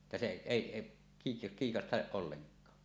että se ei - kiikasta ollenkaan